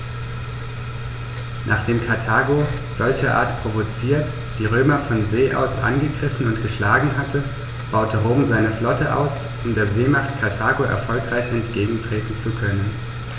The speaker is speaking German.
Nachdem Karthago, solcherart provoziert, die Römer von See aus angegriffen und geschlagen hatte, baute Rom seine Flotte aus, um der Seemacht Karthago erfolgreich entgegentreten zu können.